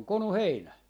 se on konu heinä